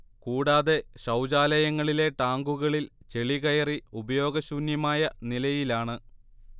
കൂടാതെ ശൗചാലയങ്ങളിലെ ടാങ്കുകളിൽ ചെളികയറി ഉപയോഗശൂന്യമായ നിലയിലാണ്